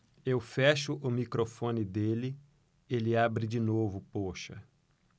eu fecho o microfone dele ele abre de novo poxa